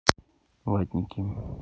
ватники